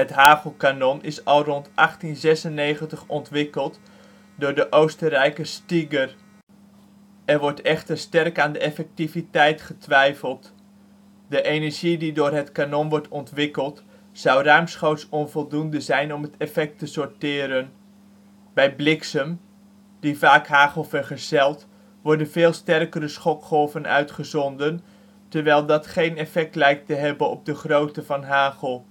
hagelkanon is al rond 1896 ontwikkeld door de Oostenrijker Stiger. Er wordt echter sterk aan de effectiviteit getwijfeld - de energie die door het kanon wordt ontwikkeld zou ruimschoots onvoldoende zijn om effect te sorteren. Bij bliksem, die vaak hagel vergezelt, worden veel sterkere schokgolven uitgezonden, terwijl dat geen effect lijkt te hebben op de grootte van hagel